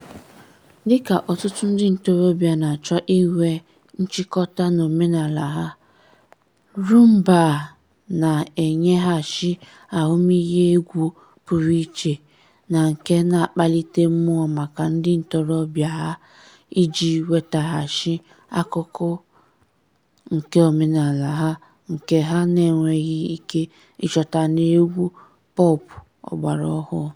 Dịka ọtụtụ ndị ntorobịa na-achọ inwe njikọta n'omenala ha, Rhumba na-enyeghachi ahụmihe egwu pụrụ iche na nke na-akpalite mmụọ maka ndị ntorobịa a iji nwetaghachi akụkụ nke omenala ha nke ha na-enweghị ike ịchọta n'egwu pọp ọgbaraọhụrụ.